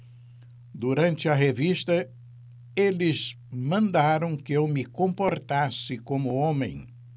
durante a revista eles mandaram que eu me comportasse como homem